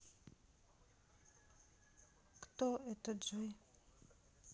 кто это джой